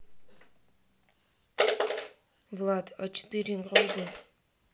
влад а четыре гробы